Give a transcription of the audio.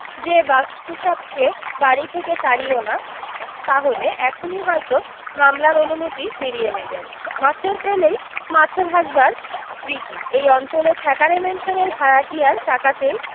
যে বাস্তুসাপকে বাড়ী থেকে তাড়িও না তাহলে এখনি হয়তো মামলার অনুমতি ফিরিয়ে নেবেন মাছের তেলেই মাছে ভাজাবার রীতি এই অঞ্চলে থ্যাকারে ম্যানসনের ভাড়াটিয়ার টাকাতেই